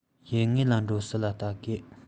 ཡུལ དངོས ལ འགྲོ སྲིད ལ བལྟ དགོས